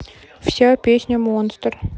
вся песня монстр